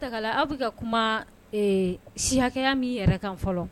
Kuntaala , aw bɛ ka kuma ee si hakɛya min yɛrɛ kan fɔlɔ.